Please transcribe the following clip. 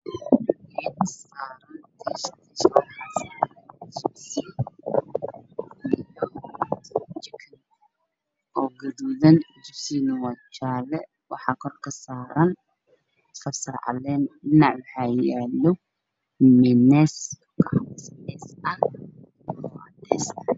Waa miis waxaa saaran tiish, jibsi iyo jikin oo gaduudan, jibsiga waa jaale waxaa kor kasaaran kabsarcaleen, dhinac waxaa yaalo miyuneys oo cadeys ah.